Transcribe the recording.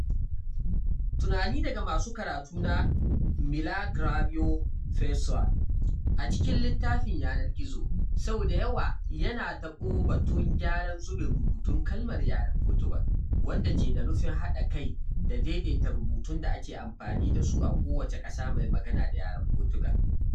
Tunani daga masu karatu na Milagrário Pessoal a cikin shafin yanar gizo, sau da yawa yana taɓo batun gyaran zubin rubutun kalmar yaren Fotugal, wanda ke da nufin haɗa kai da daidaita rubutun da ake amfani da su a kowace ƙasa mai magana da Yaren Fotugal.